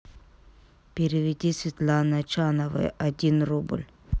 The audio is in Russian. переведи светлане чановой один рубль